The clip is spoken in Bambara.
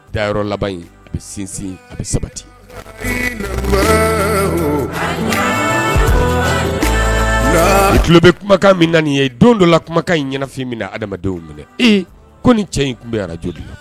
Dayɔrɔ laban in a bɛ sinsin a bɛ sabati i tulo bɛ kumakan min na nin ye don dɔ la kumakan in ɲɛnafin bɛna hadamadenw minɛ ee ko nin cɛ in tun bɛ arajo de la